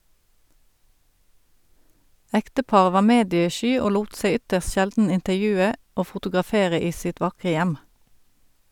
Ekteparet var mediesky og lot seg ytterst sjelden intervjue og fotografere i sitt vakre hjem.